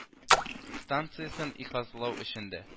Станциясен иһазлау өчен дә